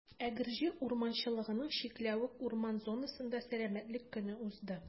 Әгерҗе урманчылыгының «Чикләвек» урман зонасында Сәламәтлек көне узды.